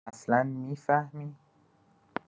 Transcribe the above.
اصلا می‌فهمی؟